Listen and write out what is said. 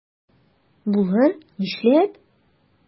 Булыр, нишләп?